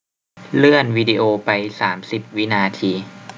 เลื่อนวีดีโอไปสามสิบวินาที